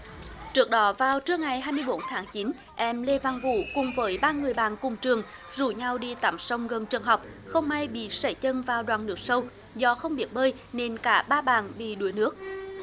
trước đó vào trước ngày hai mươi bốn tháng chín em lê văn vũ cùng với ba người bạn cùng trường rủ nhau đi tắm sông gần trường học không may bị sẩy chân vào đoạn nước sâu do không biết bơi nên cả ba bảng bị đuối nước